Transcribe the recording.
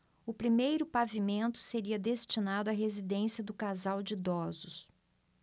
o primeiro pavimento seria destinado à residência do casal de idosos